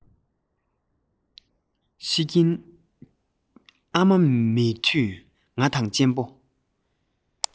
ཕྱི ཉིན ཨ མ མེད དུས ང དང གཅེན པོ